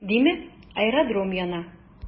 Димәк, аэродром яна.